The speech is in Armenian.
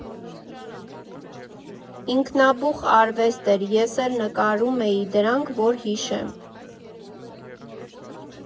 Ինքնաբուխ արվեստ էր, ես էլ նկարում էի դրանք, որ հիշեմ։